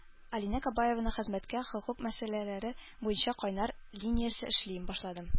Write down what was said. Алинә Кабаеваның хезмәткә хокук мәсьәләләре буенча кайнар линиясе эшли башлады